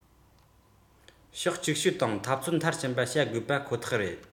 ཕྱོགས ཅིག ཤོས དང འཐབ རྩོད མཐར ཕྱིན པར བྱ དགོས པ ཁོ ཐག རེད